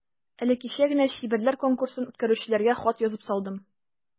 Әле кичә генә чибәрләр конкурсын үткәрүчеләргә хат язып салдым.